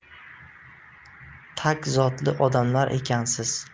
tag zotli odamlar ekansiz